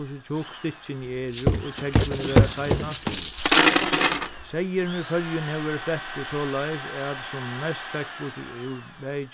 hvussu tjúkk stykkini eru og tjógvini verða seinast turr seyðurin í føroyum hevur verið flettur soleiðis at sum mest fekst burtur úr bæði